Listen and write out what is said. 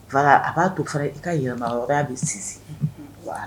A b'a to fara i ka yɛlɛmagaruya bɛ sinsin wa